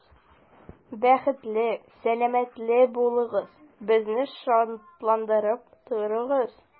Бәхетле, сәламәт булыгыз, безне шатландырып торыгыз.